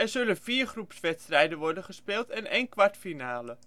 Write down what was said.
zullen vier groepswedstrijden worden gespeeld en één kwartfinale